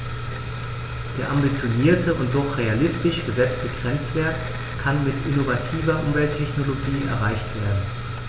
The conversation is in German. Der ambitionierte und doch realistisch gesetzte Grenzwert kann mit innovativer Umwelttechnologie erreicht werden.